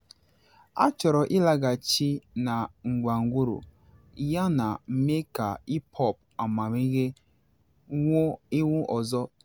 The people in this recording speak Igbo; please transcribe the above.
Ha chọrọ ịlaghachi na mgbọrọgwụ ya ma mee ka hip hop amamịghe wuo ewu ọzọ.